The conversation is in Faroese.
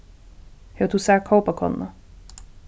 hevur tú sæð kópakonuna